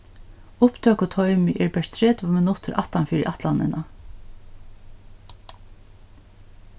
upptøkutoymið er bert tretivu minuttir aftanfyri ætlanina